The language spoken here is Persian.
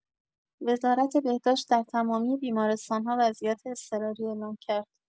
وزارت بهداشت در تمامی بیمارستان‌ها وضعیت اضطراری اعلام کرد.